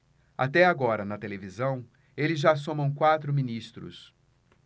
até agora na televisão eles já somam quatro ministros